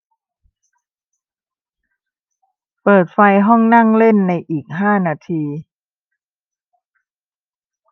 เปิดไฟห้องนั่งเล่นในอีกห้านาที